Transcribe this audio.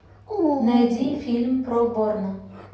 найди фильмы про борна